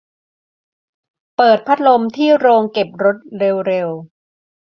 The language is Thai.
เปิดพัดลมที่โรงเก็บรถเร็วเร็ว